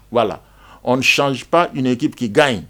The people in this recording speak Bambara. Wala cp ɲini k'i k gan ɲi